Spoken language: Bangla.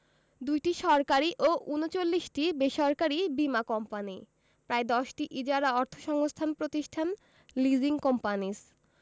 ২টি সরকারি ও ৩৯টি বেসরকারি বীমা কোম্পানি প্রায় ১০টি ইজারা অর্থসংস্থান প্রতিষ্ঠান লিজিং কোম্পানিস